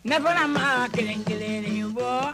Ne bɔra ma kelen kelenlen bɔ